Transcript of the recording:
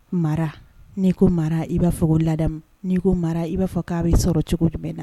Mara n'i ko mara i b'a fɔ o lada n'i ko mara i b'a fɔ ko a bɛ sɔrɔ cogo jumɛn bɛ na